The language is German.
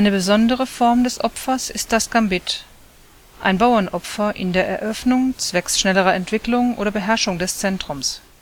besondere Form des Opfers ist das Gambit, ein Bauernopfer in der Eröffnung zwecks schnellerer Entwicklung oder Beherrschung des Zentrums